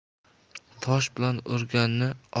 tosh bilan urganni